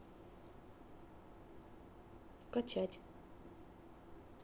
качать